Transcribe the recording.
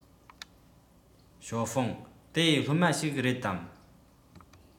ཞའོ ཧྥུང དེ སློབ མ ཞིག རེད དམ